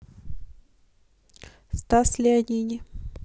стас леонини